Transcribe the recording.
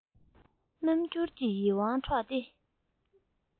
རྣམ འགྱུར གྱིས ཡིད དབང འཕྲོག སྟེ